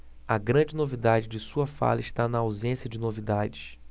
a grande novidade de sua fala está na ausência de novidades